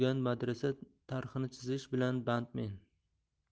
madrasa tarhini chizish bilan bandmen